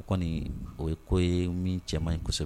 Kɔni o ye ko ye min cɛman in kosɛbɛ